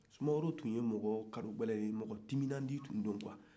sumaworo tun ye mɔgɔ timinandi de ye